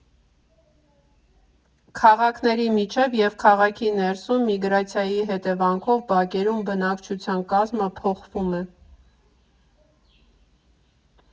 Քաղաքների միջև և քաղաքի ներսում միգրացիայի հետևանքով բակերում բնակչության կազմը փոխվում է։